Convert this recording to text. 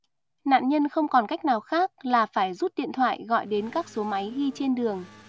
nạn nhân không còn cách nào khác là phải rút điện thoại gọi đến các số máy ghi trên đường